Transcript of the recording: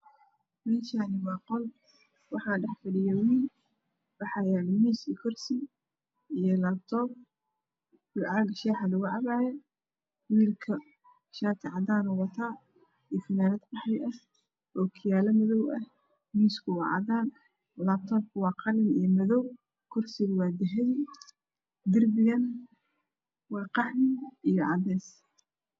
Meshani waa qol waxaa dhex fadhiya wiil waxaa uyala mis iyo kursi iyo labtoob iyo cag shaha lagu cabo wiilka shar cadana ayuu wata iyo funanad qaxwiya okiyalo .adow ah misku waa cadan labtobku waa qalin iyo madowkursigu waa dahabi